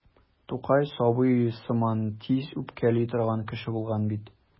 Тукай сабый сыман тиз үпкәли торган кеше булган бит.